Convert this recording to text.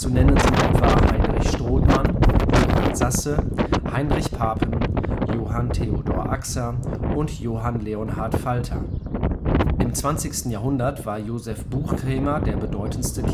nennen sind etwa Heinrich Strothmann, Johann Sasse, Heinrich Papen, Johann Theodor Axer und Johann Leonhard Falter. Im 20. Jahrhundert war Joseph Buchkremer der bedeutendste